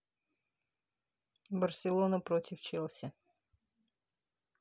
барселона против челси